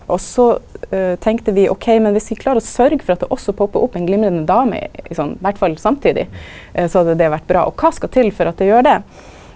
og så tenkte vi ok, men viss vi klarer å sørga for at det også poppar opp ei glimrande dame i sånn iallfall samtidig så hadde det vore bra, og kva skal til for at det gjer det?